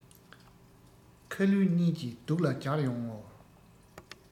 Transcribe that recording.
ཁ ལུས གཉིས ཀྱིས སྡུག ལ སྦྱར ཡོང ངོ